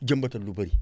jëmbatal lu bëri